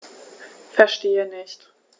Verstehe nicht.